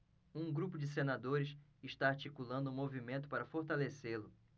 um grupo de senadores está articulando um movimento para fortalecê-lo